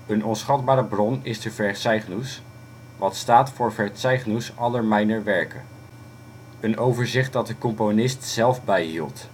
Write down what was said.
Een onschatbare bron is de Verzeichnüss, wat staat voor Verzeichnüss aller meiner Werke (1784-1791), een overzicht dat de componist zelf bijhield